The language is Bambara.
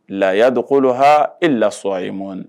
La y'a dɔ ko don h e lasɔ ye mɔn